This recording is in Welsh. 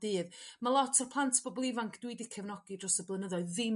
dydd ma' lot o'r plant bobol ifanc dwi 'di cefnogi dros y blynyddoedd ddim